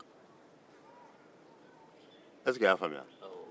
i y'a faamuya wa